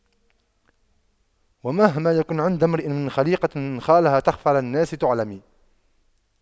ومهما يكن عند امرئ من خَليقَةٍ وإن خالها تَخْفَى على الناس تُعْلَمِ